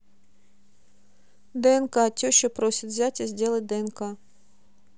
днк теща просит зятя сделать днк